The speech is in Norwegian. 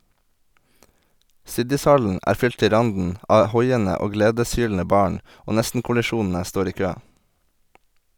Siddishallen er fylt til randen av hoiende og gledeshylende barn, og nestenkollisjonene står i kø.